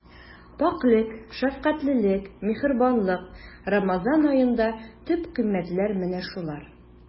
Пакьлек, шәфкатьлелек, миһербанлык— Рамазан аенда төп кыйммәтләр менә шулар.